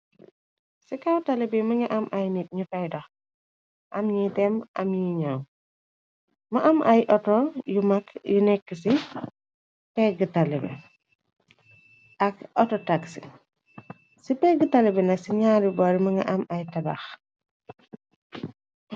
ci kaw talibi më nga am ay nit ñu fay dax, am ñi tem, am ñi ñaw, ma am ay auto yu mag yu nekk ci g talib, ak autotaxi ci pegg talibi, na ci ñaari boori më nga am ay tadax.